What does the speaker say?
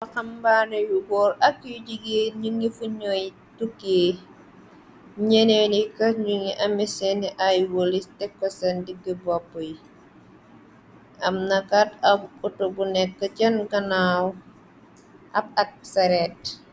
Waxambaane yu góor ak yu jigee nu ngi fa ñooy tukkee ñenee ni kat ñu ñi ame seeni ay wolis tekkosen digge bopp yi am na kaat ab auto bu nekk can kanaaw ab ak saret.